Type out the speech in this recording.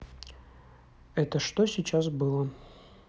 это что сейчас было